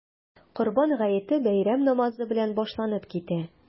Корбан гаете бәйрәм намазы белән башланып китә.